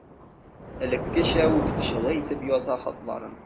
Элеккечә үк җылы итеп яза хатларын.